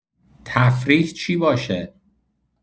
تفریح چی باشه